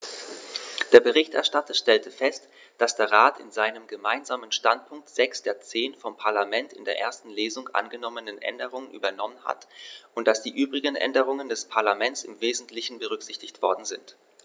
Der Berichterstatter stellte fest, dass der Rat in seinem Gemeinsamen Standpunkt sechs der zehn vom Parlament in der ersten Lesung angenommenen Änderungen übernommen hat und dass die übrigen Änderungen des Parlaments im wesentlichen berücksichtigt worden sind.